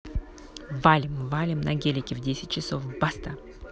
валим валим на гелике в десять часов баста